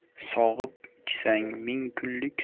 sog'ib ichsang ming kunlik